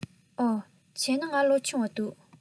འོ བྱས ན ང ལོ ཆུང བ འདུག